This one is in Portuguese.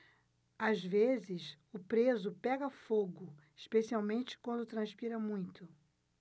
às vezes o preso pega fogo especialmente quando transpira muito